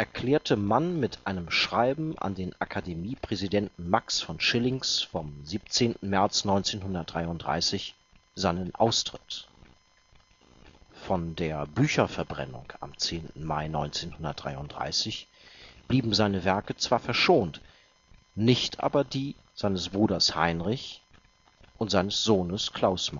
erklärte Mann mit einem Schreiben an den Akademie-Präsidenten Max von Schillings vom 17. März 1933 seinen Austritt. Von der Bücherverbrennung am 10. Mai 1933 blieben seine Werke zwar verschont, nicht aber die seines Bruders Heinrich und seines Sohnes Klaus